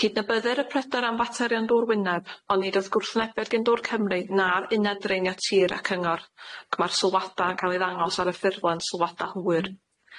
Cydnabyddir y pryder am faterion dŵr wyneb ond nid o'dd gwrthnebedd gan dŵr Cymru na'r uned dreiniad tir a cyngor ac ma'r sylwada'n ca'l i ddangos ar y ffurflen sylwada hwyr.